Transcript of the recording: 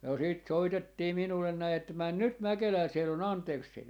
ja sitten soitettiin minulle näin että mene nyt Mäkelään siellä on Andersen